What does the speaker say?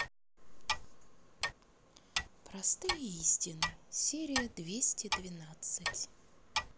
простые истины серия двести двенадцать